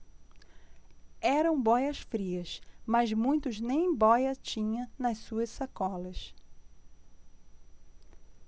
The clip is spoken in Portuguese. eram bóias-frias mas muitos nem bóia tinham nas suas sacolas